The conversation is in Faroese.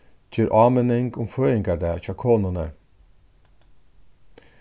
ger áminning um føðingardag hjá konuni